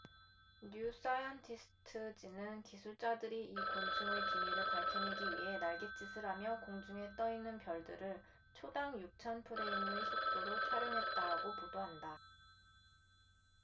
뉴 사이언티스트 지는 기술자들이 이 곤충의 비밀을 밝혀내기 위해 날갯짓을 하며 공중에 떠 있는 벌들을 초당 육천 프레임의 속도로 촬영했다라고 보도한다